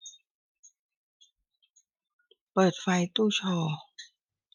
เปิดไฟตู้โชว์